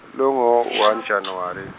lungo u one January.